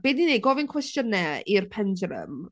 Be ni'n wneud? Gofyn cwestiynau i'r pendulum?